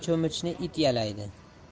cho'michni it yalaydi